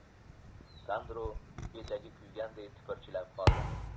sandro etagi kuyganday tipirchilab qoldi